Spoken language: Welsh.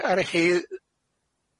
Mi aru chi